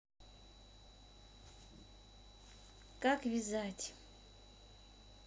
как вязать